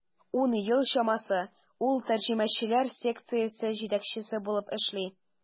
Ун ел чамасы ул тәрҗемәчеләр секциясе җитәкчесе булып эшли.